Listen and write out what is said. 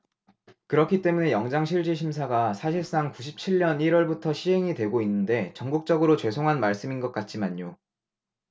그렇기 때문에 영장실질심사가 사실상 구십 칠 년 일 월부터 시행이 되고 있는데 전국적으로 죄송한 말씀인 것 같지만요